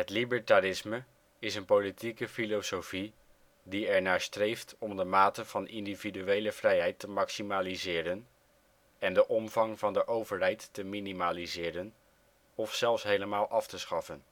libertarisme is een politieke filosofie die ernaar streeft om de mate van individuele vrijheid te maximaliseren en de omvang van de overheid te minimaliseren of zelfs helemaal af te schaffen